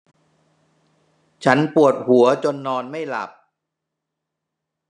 ฉันปวดหัวจนนอนไม่หลับ